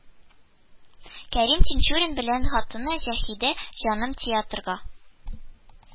Кәрим Тинчурин белән хатыны Заһидә жаным театрга